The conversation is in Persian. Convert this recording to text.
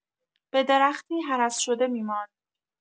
به درختی هرس شده می‌ماند.